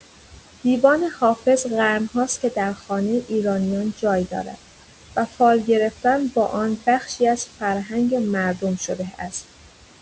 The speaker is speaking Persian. دیوان حافظ قرن‌هاست که در خانه ایرانیان جای دارد و فال گرفتن با آن بخشی از فرهنگ مردم شده است.